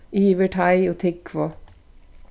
yvir teig og túgvu